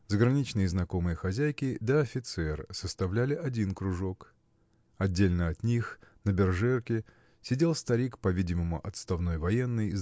заграничные знакомые хозяйки да офицер составляли один кружок. Отдельно от них на бержерке сидел старик по-видимому отставной военный